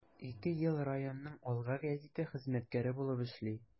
Ике ел районның “Алга” гәзите хезмәткәре булып эшли.